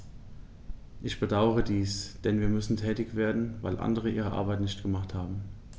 Ich bedauere dies, denn wir müssen tätig werden, weil andere ihre Arbeit nicht gemacht haben.